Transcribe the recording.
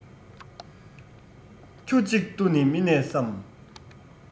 ཁྱུ གཅིག ཏུ ནི མི གནས སམ